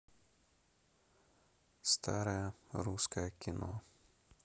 старое русское кино